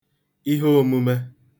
iheōmūmē